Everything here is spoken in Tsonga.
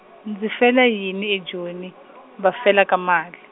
ndzi fela yini eJoni, va felaka mali?